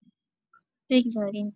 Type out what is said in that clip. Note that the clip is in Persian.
بگذریم!